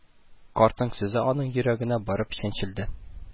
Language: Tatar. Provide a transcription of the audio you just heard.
Картның сүзе аның йөрәгенә барып чәнчелде